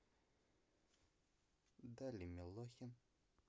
dali милохин